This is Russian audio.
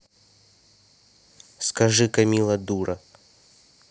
скажи камилла дура